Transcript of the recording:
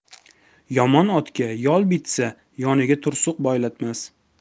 yomon otga yoi bitsa yoniga tursuq boylatmas